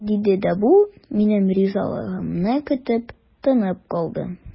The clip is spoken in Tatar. Шулай диде дә бу, минем ризалыгымны көтеп, тынып калды.